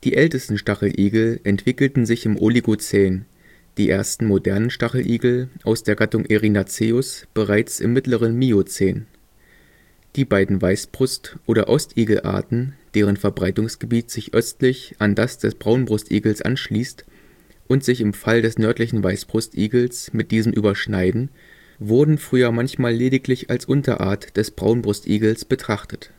ältesten Stacheligel entwickelten sich im Oligozän, die ersten modernen Stacheligel aus der Gattung Erinaceus bereits im mittleren Miozän. Die beiden Weißbrust - oder Ostigelarten, deren Verbreitungsgebiet sich östlich an das des Braunbrustigels anschließt und sich im Fall des nördlichen Weißbrustigels mit diesem überschneiden, wurde früher manchmal lediglich als Unterart des Braunbrustigels betrachtet